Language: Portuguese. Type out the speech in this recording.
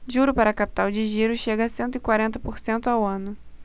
juro para capital de giro chega a cento e quarenta por cento ao ano